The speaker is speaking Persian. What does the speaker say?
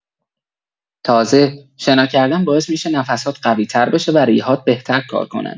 تازه، شنا کردن باعث می‌شه نفس‌هات قوی‌تر بشه و ریه‌هات بهتر کار کنن.